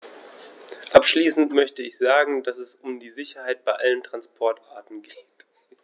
Abschließend möchte ich sagen, dass es um die Sicherheit bei allen Transportarten geht.